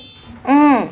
ừ